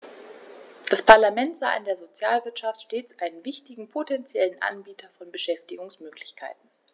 Das Parlament sah in der Sozialwirtschaft stets einen wichtigen potentiellen Anbieter von Beschäftigungsmöglichkeiten.